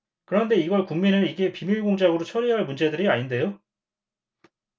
그런데 이걸 국민을 이게 비밀 공작으로 처리할 문제들이 아닌데요